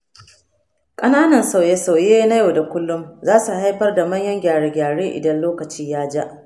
ƙananan sauye-sauye na yau da kullum za su haifar da manyan gyare-gyare idan lokaci ya ja.